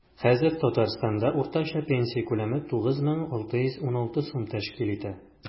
Хәзер Татарстанда уртача пенсия күләме 9616 сум тәшкил итә.